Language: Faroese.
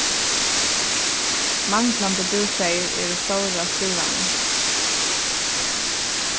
manglandi bústaðir eru stóra stúranin